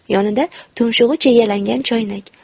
yonida tumshug'i chegalangan choynak